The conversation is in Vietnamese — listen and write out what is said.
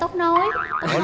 tóc nối